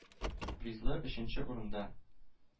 – призлы өченче урында!